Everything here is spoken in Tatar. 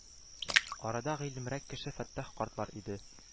Арада гыйлемрәк кеше Фәттах карт бар иде: